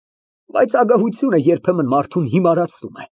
Բայց ագահությունը երբեմն մարդուն հիմարացնում է։